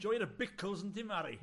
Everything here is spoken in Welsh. Joio dy bicls, yndi Mari?